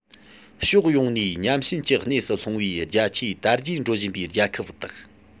ཕྱོགས ཡོངས ནས ཉམས ཞན གྱི གནས སུ ལྷུང བའི རྒྱ ཆེའི དར རྒྱས འགྲོ བཞིན པའི རྒྱལ ཁབ དག